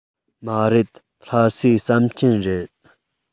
མ རེད ལྷ སའི ཟམ ཆེན རེད